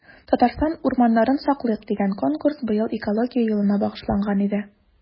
“татарстан урманнарын саклыйк!” дигән конкурс быел экология елына багышланган иде.